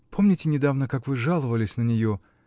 Помните, недавно, как вы жаловались на нее?